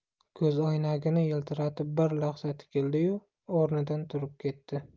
ko'zoynagini yiltiratib bir lahza tikildiyu o'rnidan turib ketdi